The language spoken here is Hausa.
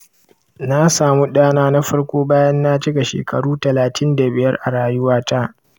na samu ɗana na farko bayan na cika shekaru talatin da biyar a rayuwata